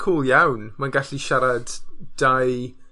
Cŵl iawn. Mae'n gallu siarad dau